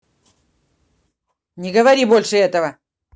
не говори больше этого